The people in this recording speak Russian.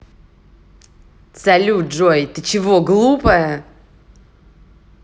салют джой ты чего глупая